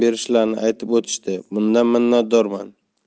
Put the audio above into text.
berishlarini aytib o'tishdi bundan minnatdorman